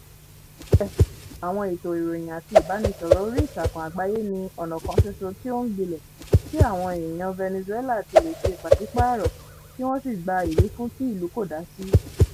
Síbẹ̀ àwọn ètò ìròyìn àti ìbánisọ̀rọ̀ oríìtakùn àgbáyé ní ọ̀nà kan ṣoṣo tí ó ń gbilẹ̀ tí àwọn èèyàn Venezuela ti lè ṣe pàsípààrọ̀ kí wọ́n sì gba ìwífún tí ìlú kò dá sí.